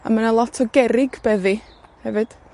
A ma' 'na lot o gerrig beddi hefyd.